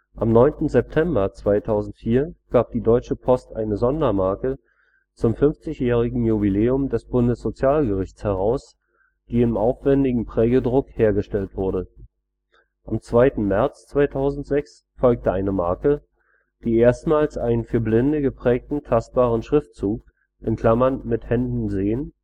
Am 9. September 2004 gab die deutsche Post eine Sondermarke zum 50-jährigen Jubiläum des Bundessozialgerichtes heraus, die in aufwändigem Prägedruck hergestellt wurde. Am 2. März 2006 folgte eine Marke, die erstmals einen für Blinde geprägten tastbaren Schriftzug („ Mit Händen sehen